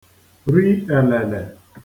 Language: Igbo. ri èlèlè